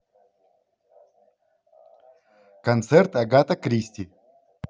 концерт агата кристи